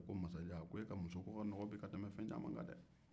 u ko masajan e ka musofuru ka nɔgɔ bi ka tɛmɛ fɛn caman kan dɛ